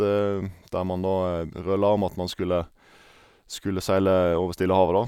Der man da rølla om at man skulle skulle seile over Stillehavet, da.